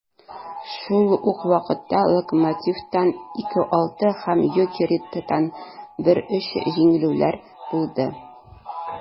Шул ук вакытта "Локомотив"тан (2:6) һәм "Йокерит"тан (1:3) җиңелүләр булды.